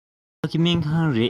ཕ གི སྨན ཁང རེད